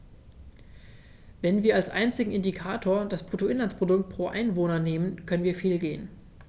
Wenn wir als einzigen Indikator das Bruttoinlandsprodukt pro Einwohner nehmen, können wir fehlgehen.